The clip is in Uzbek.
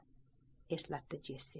eslatdi jessi